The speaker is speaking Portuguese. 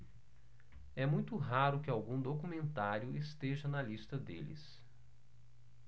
é muito raro que algum documentário esteja na lista deles